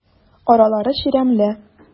Аралары чирәмле.